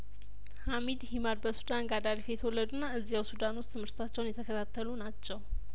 ሀሚድ ሂ ማድ በሱዳን ገዳሪፍ የተወለዱና እዚያው ሱዳን ውስጥ ትምህርታቸውን የተከታተሉ ናቸው